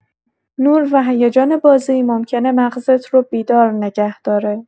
نور و هیجان بازی ممکنه مغزت رو بیدار نگه داره.